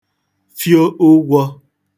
fio ụgwọ̄